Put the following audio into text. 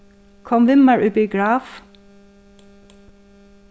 kom við mær í biograf